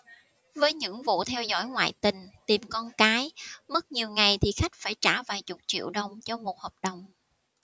với những vụ theo dõi ngoại tình tìm con cái mất nhiều ngày thì khách phải trả vài chục triệu đồng cho một hợp đồng